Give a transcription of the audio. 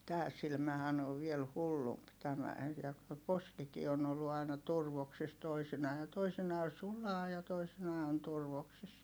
tämä silmähän on vielä hullumpi tämä ja kun se poskikin on ollut aina turvoksissa toisinaan ja toisinaan sulaa ja toisinaan on turvoksissa